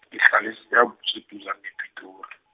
ngihlala eSiyabusw- eduzane nePitori.